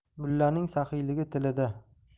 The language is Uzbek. mullaning saxiyligi tilida